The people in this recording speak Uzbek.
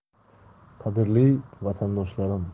qadrli vatandoshlarim